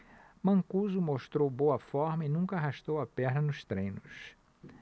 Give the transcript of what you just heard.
mancuso mostrou boa forma e nunca arrastou a perna nos treinos